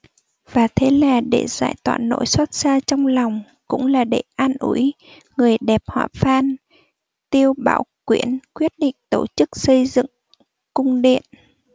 và thế là để giải tỏa nỗi xót xa trong lòng cũng là để an ủi người đẹp họ phan tiêu bảo quyển quyết định tổ chức xây dựng cung điện